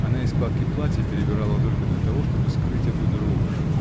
Она и складки платья перебирала только для того, чтобы скрыть эту дрожь.